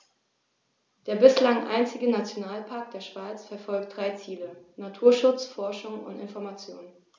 Der bislang einzige Nationalpark der Schweiz verfolgt drei Ziele: Naturschutz, Forschung und Information.